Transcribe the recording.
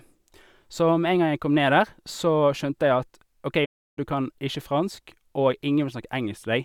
Så med en gang jeg kom ned der, så skjønte jeg at OK du kan ikke fransk, og ingen vil snakke engelsk til deg.